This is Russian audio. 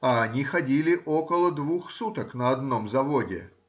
а они ходили около двух суток на одном заводе.